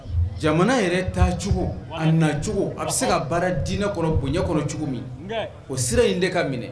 Jamana yɛrɛ taacogo a nacogo a bɛ se ka baara diinɛ kɔnɔ bonyaɲɛ kɔnɔ cogo min o sira in de ka minɛ